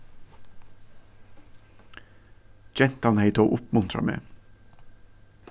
gentan hevði tó uppmuntrað meg